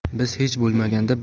biz hech bo'lmaganda